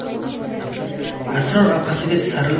sror orqasiga tisarilib